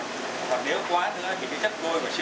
còn nếu quá ở các